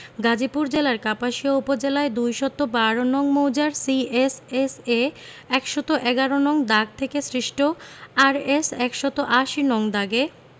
গাজীপুর জেলার কাপাসিয়া উপজেলায় ২১২ নং মৌজার সি এস এস এ ১১১ নং দাগ থেকে সৃষ্ট আরএস ১৮০ নং দাগে